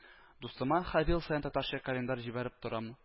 Дустыма һәр ел саен татарча календарь җибәреп торам